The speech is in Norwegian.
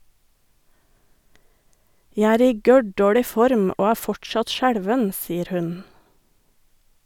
- Jeg er i gørrdårlig form og er fortsatt skjelven, sier hun.